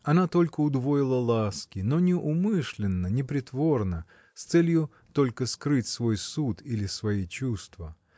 Она только удвоила ласки, но не умышленно, не притворно — с целью только скрыть свой суд или свои чувства.